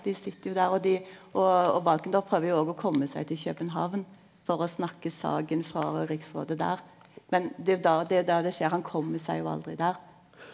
dei sit jo der og dei og og Valkendorf prøver jo òg å komme seg til København for å snakke saken for riksrådet der men det er jo då det er jo då det skjer han kjem seg jo aldri der.